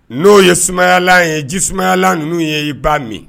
N'o ye sumayalan ye jisumayalan ninnu ye i ba min.